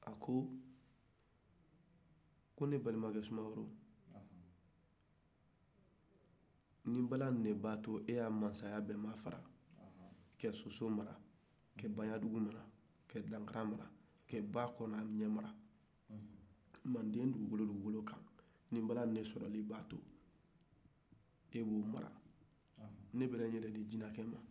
a ko ko ne balimace soumaworo ni bala ni be b'a to e ka masaya bɛ makaran ka soso mara ka bayan dugu mara ka dankaran mara ka ba kɔ n'a jɛ mara mande dugukolo bɛɛ ni bala ni de b'a to i bo mara ne bɛ nyɛrɛ di jinacɛ